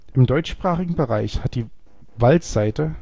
deutschsprachigen Bereich hat die Waldseite